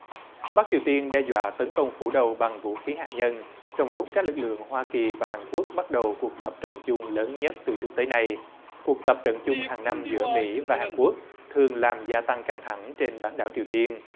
bắc triều tiên đe dọa tấn công phủ đầu bằng vũ khí hạt nhân trong lúc các lực lượng hoa kỳ và hàn quốc bắt đầu cuộc tập trận chung lớn nhất từ trước tới nay cuộc tập trận chung hằng năm giữa mỹ và hàn quốc thường làm gia tăng căng thẳng trên bán đảo triều tiên